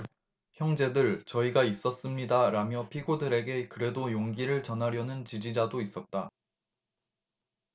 형제들 저희가 있습니다라며 피고인들에게 그래도 용기를 전하려는 지지자도 있었다